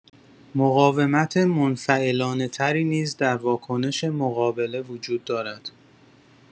مقاومت منفعلانه‌تری نیز در واکنش مقابله وجود دارد.